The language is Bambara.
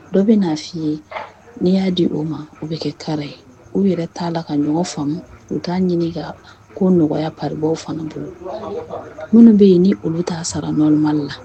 Dɔ bɛ na fɔ i ye n'i y'a di o ma, o bɛ kɛ kara ye, u yɛrɛ t'a la ka mɔgɔ faamu u t'a ɲini ka ko nɔgɔya paribaw fana bolo minnu bɛ yen ni olu t'a sara normal la